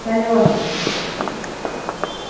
tað ljóðar fínt